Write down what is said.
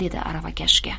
dedi aravakashga